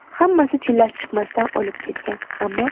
hammasi chillasi chiqmasdan o'lib ketgan